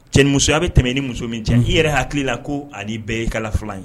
Cɛ musoya bɛ tɛmɛ ni muso min cɛ i yɛrɛ hakili la ko ani bɛɛ ye kala fila ye